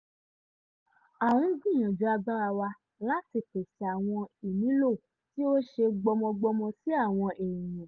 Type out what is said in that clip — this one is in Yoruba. À ń gbìyànjú agbára wa láti pèsè àwọn ìnílò tí ó ṣe gbọmọgbọmọ sí àwọn èèyàn.